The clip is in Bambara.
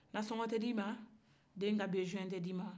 nasɔgɔ tɛ d'i ma den ka bezuwɛ tɛ d'i ma